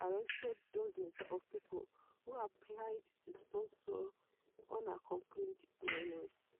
arrested dozens of people who applied to sponsor unaccompanied minors.